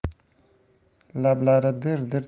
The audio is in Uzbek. lablari dir dir